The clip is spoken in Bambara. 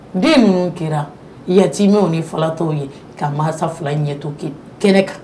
Den ninnu kɛra yati min ni fa tɔw ye ka masa fila ɲɛto kɛlɛ kan